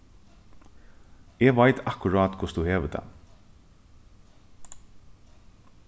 eg veit akkurát hvussu tú hevur tað